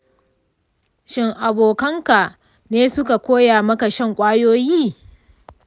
shin abokanka ne suka koya maka shan ƙwayoyi?